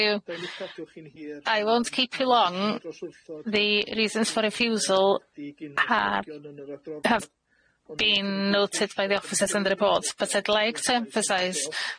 Nai'm cadw chi'n hir. I won't keep you long the reasons for refusal ha- have been noted by the officers in the report, but I'd like to emphasise